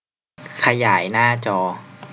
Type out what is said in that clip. ขยายหน้าจอ